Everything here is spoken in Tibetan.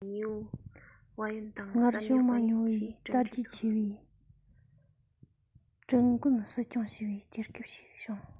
སྔར བྱུང མྱོང མེད པའི དར རྒྱས ཆེ བའི ཀྲིན ཀོན སྲིད སྐྱོང ཞེས པའི དུས སྐབས ཤིག བྱུང